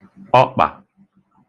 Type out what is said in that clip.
ọkpà